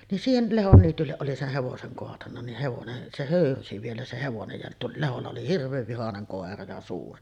niin siihen Lehdon niitylle oli sen hevosen kaatanut niin hevonen se höyrysi vielä se hevonen ja - Lehdolla oli hirveän vihainen koira ja suuri